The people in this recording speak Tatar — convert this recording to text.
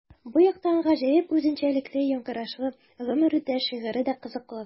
Бу яктан гаҗәеп үзенчәлекле яңгырашлы “Гомер үтә” шигыре дә кызыклы.